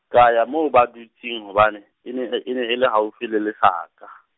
ka ya moo ba dutseng hobane, e ne le e ne haufi le lesaka.